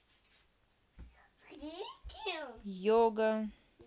йога